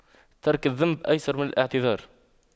ترك الذنب أيسر من الاعتذار